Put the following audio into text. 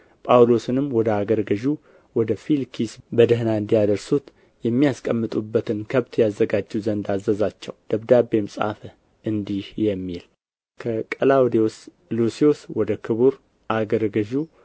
ጳውሎስንም ወደ አገረ ገዡ ወደ ፊልክስ በደኅና እንዲያደርሱት የሚያስቀምጡበትን ከብት ያዘጋጁ ዘንድ አዘዛቸው ደብዳቤም ጻፈ እንዲህ የሚል ከቀላውዴዎስ ሉስዮስ ወደ ክቡር አገረ ገዡ